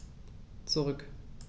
Zurück.